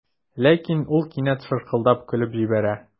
Ләкин ул кинәт шаркылдап көлеп җибәрә.